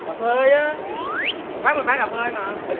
cà phê á quán mình bán cà phê mà